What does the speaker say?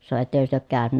sanoi ettekös te ole käynyt